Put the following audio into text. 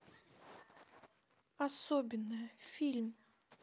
особенная фильм